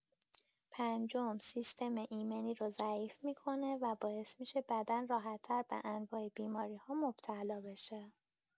پنجم، سیستم ایمنی رو ضعیف می‌کنه و باعث می‌شه بدن راحت‌تر به انواع بیماری‌ها مبتلا بشه.